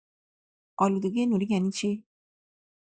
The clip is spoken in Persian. آلودگی نوری یعنی چی؟